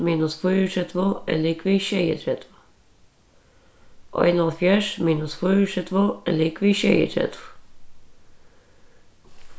minus fýraogtretivu er ligvið sjeyogtretivu einoghálvfjerðs minus fýraogtretivu er ligvið sjeyogtretivu